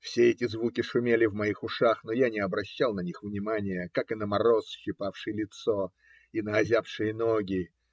Все эти звуки шумели в моих ушах, но я не обращал на них внимания, как и на мороз, щипавший лицо, и на озябшие ноги.